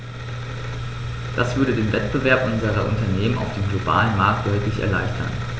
Das würde den Wettbewerb unserer Unternehmen auf dem globalen Markt deutlich erleichtern.